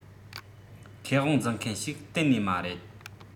ཁེ དབང འཛིན མཁན ཞིག གཏན ནས མ རེད